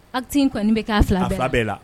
Acte kɔni bɛ k'a fila bɛɛ la, a fila bɛɛ la